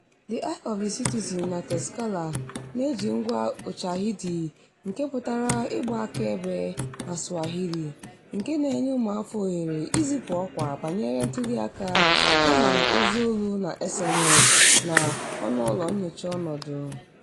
The Eye of the Citizen na Txeka-lá na-eji ngwa Ushahidi (nke pụtara "ịgba akaebe" na Swahili), nke na-enye ụmụafọ ohere izipụ ọkwa banyere ntuliaka, yana ozi olu na SMS, na "ọnụụlọ nnyocha ọnọdụ".